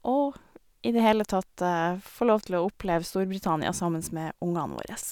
Og i det hele tatt få lov til å oppleve Storbritannia sammen med ungene våre.